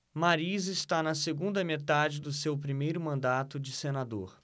mariz está na segunda metade do seu primeiro mandato de senador